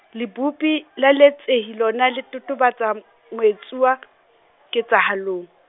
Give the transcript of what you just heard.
Lebopi la leetsehi lona le totobatsa, moetsuwi , ketsahalong.